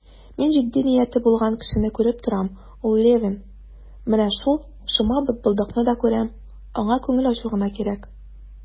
Мин җитди нияте булган кешене күреп торам, ул Левин; менә шул шома бытбылдыкны да күрәм, аңа күңел ачу гына кирәк.